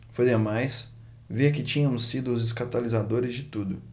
foi demais ver que tínhamos sido os catalisadores de tudo